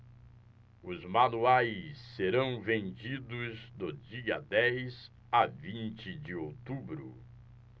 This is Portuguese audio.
os manuais serão vendidos do dia dez a vinte de outubro